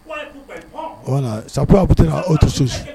Sa bɛ o to sosi